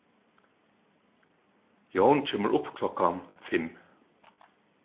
jón kemur upp klokkan fimm